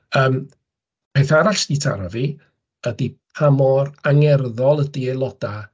Yym, peth arall sy 'di taro fi ydy pa mor angerddol ydi aelodau.